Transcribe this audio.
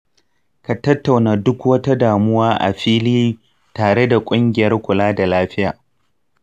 ka tattauna duk wata damuwa a fili tare da ƙungiyar kula da lafiyarmu.